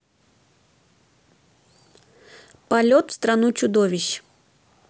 полет в страну чудовищ